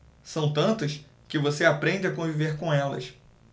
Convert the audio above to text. são tantas que você aprende a conviver com elas